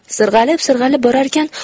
sirg'alib sirg'alib borarkan